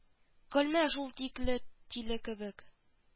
Көлмә шул тикле тиле кебек